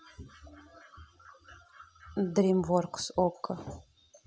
дримворкс окко